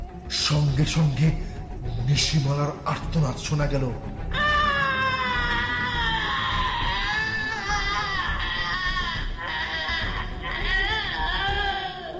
সঙ্গে সঙ্গে নিশি মারার আর্তনাদ শোনা গেল